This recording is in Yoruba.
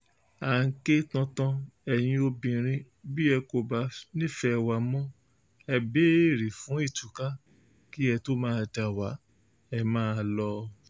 À ń ké tantan, ẹ̀yin obìnrin bí ẹ kò bá nífẹ̀ẹ́ wa mọ́, ẹ béèrè fún ìtúká kí ẹ tó máa dà wa, ẹ máa lọ.